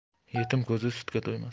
yetim ko'zi sutga to'ymas